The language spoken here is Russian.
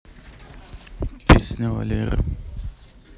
песни валеры